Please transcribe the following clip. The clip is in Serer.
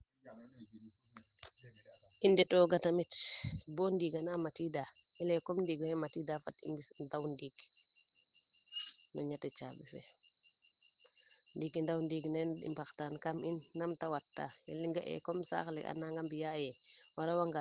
i ndeto ga tamit bo ndiinga na matiida comme niingo xay matiida fat i ngis ndaw ndiing no ñeti caabi fee ndiiki ndaw ndiing nene i mbaxtaan kam in nam te wat taa i nga a comme sax le ananga mbiya yee o rawa ngaa